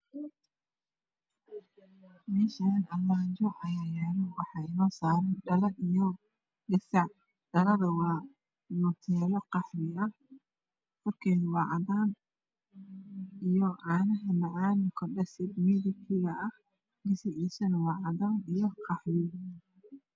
Meshaan armaajo ayaa yaalo waxa inoo saran dhalo iyo capitaan dhaalda waa noteela qaxwi ah korkeeda wa cadaan caanaha macaana ah kalarkiisna waa cadan iyo qaxwi